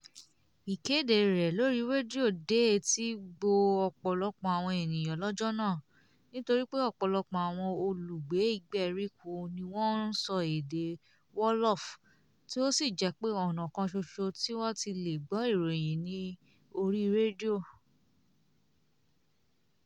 Ìkéde rẹ lórí rédíò dé etí gbọ̀ọ́ ọ̀pọ̀lọpọ̀ àwọn ènìyàn lọ́jọ́ náà, nítorí pé ọ̀pọ̀lọpọ̀ àwọn olùgbé ìgbèríko ni wọ́n ń sọ èdè Wolof tí ó sì jẹ́ pé ọ̀nà kan ṣoṣo tí wọ́n ti le gbọ́ ìròyìn ní orí rédíò.